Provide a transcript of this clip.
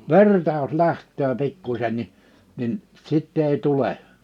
verta jos lähtee pikkuisen niin niin sitten ei tule